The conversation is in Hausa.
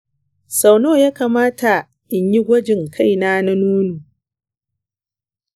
sau nawa ya kamata in yi gwajin kaina na nono?